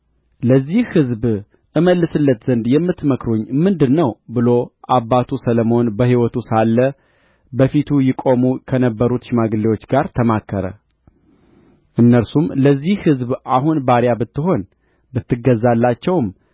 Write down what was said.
ለዚህ ሕዝብ እመልስለት ዘንድ የምትመክሩኝ ምንድር ነው ብሎ አባቱ ሰሎሞን በሕይወቱ ሳለ በፊቱ ይቆሙ ከነበሩት ሽማግሌዎች ጋር ተማከረ እነርሱም ለዚህ ሕዝብ አሁን ባሪያ ብትሆን ብትገዛላቸውም